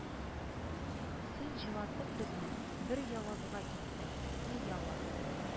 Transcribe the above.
Син, җылатып безне, бер явызга киттең, и явыз